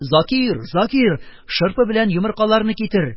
Закир, Закир, шырпы белән йомыркаларны китер,